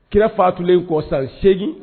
Kira fatulen kɔ san 8